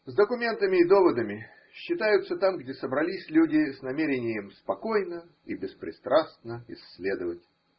С документами и доводами считаются там, где собрались люди с намерением спокойно и беспристрастно исследовать.